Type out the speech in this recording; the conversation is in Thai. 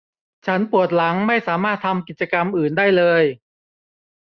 ฉันปวดหลังไม่สามารถทำกิจกรรมอื่นได้เลย